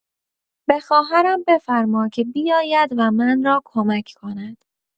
به خواهرم بفرما که بیاید و من را کمک کند!